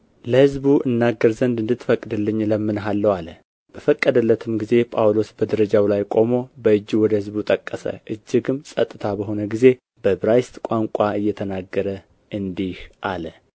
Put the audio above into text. ለሕዝቡ እናገር ዘንድ እንድትፈቅድልኝ እለምንሃለሁ አለ በፈቀደለትም ጊዜ ጳውሎስ በደረጃው ላይ ቆሞ በእጁ ወደ ሕዝቡ ጠቀሰ እጅግም ጸጥታ በሆነ ጊዜ በዕብራይስጥ ቋንቋ እየተናገረ እንዲህ አለ